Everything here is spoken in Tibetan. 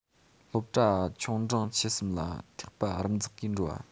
སློབ གྲྭ ཆུང འབྲིང ཆེ གསུམ ལ ཐེག པ རིམ འཛེག གིས འགྲོ བ